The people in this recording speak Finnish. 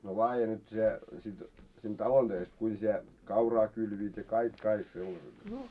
no laadi nyt se sitten siinä talon töistä kuinka sinä kauraa kylvivät ja kaikki kaikki sellaiset ne